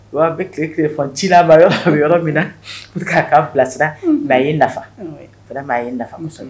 An bɛ tile ciina yɔrɔ yɔrɔ min na k'a'an bilasira n' a ye nafa'a ye nafa muso ye